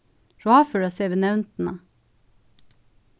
ráðføra seg við nevndina